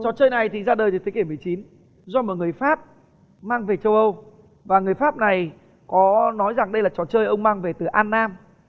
trò chơi này thì ra đời từ thế kỷ mười chín do một người pháp mang về châu âu và người pháp này có nói rằng đây là trò chơi ông mang về từ an nam